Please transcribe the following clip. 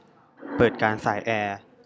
เปิดการส่ายแอร์